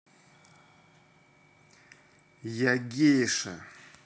я гейша